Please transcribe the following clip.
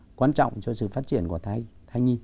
quan trọng cho sự phát triển của thai thai nhi